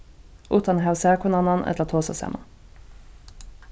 uttan at hava sæð hvønn annan ella tosað saman